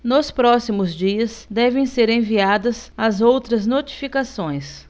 nos próximos dias devem ser enviadas as outras notificações